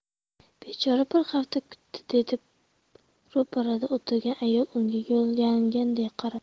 bechora bir hafta kutdi dedi ro'parada o'tirgan ayol unga yalinganday qarab